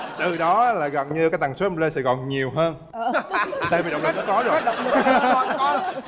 từ đó là gần như cái tần xuất em lên sài gòn nhiều hơn tại vì dù gì cũng